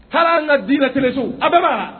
Hali an ka dinɛ teleso